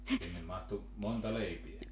sinne mahtui monta leipää